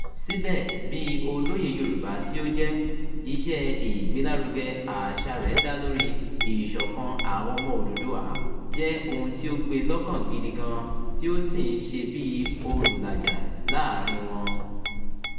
Síbẹ̀, bí olóyè Yorùbá tí ó jẹ́, iṣẹ́ ìgbélárugẹ àṣà rẹ̀ dá lórí ìṣọ̀kan àwọn ọmọ Odùduwà jẹ́ ohun tí ó gbé e lọ́kàn gidi gan-an, tí ó sì ń ṣe bí olùlàjà láàárín wọn.